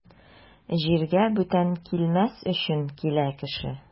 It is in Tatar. Җиргә бүтән килмәс өчен килә кеше.